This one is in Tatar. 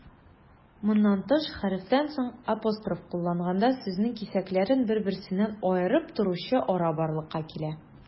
Моннан тыш, хәрефтән соң апостроф кулланганда, сүзнең кисәкләрен бер-берсеннән аерып торучы ара барлыкка килә.